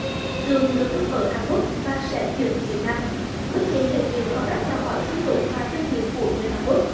tượng được đúc ở hàn quốc và sẽ chuyển về việt nam bức tượng thể hiện phong cách chào hỏi khiêm tốn và thân thiện của người hàn quốc